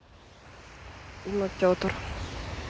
имя петр